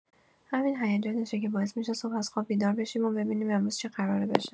همین هیجانشه که باعث می‌شه صبح از خواب بیدار بشیم و ببینیم امروز چی قراره بشه.